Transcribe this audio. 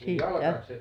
jalkaankos se